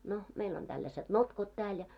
no meillä on tällaiset notkot täällä ja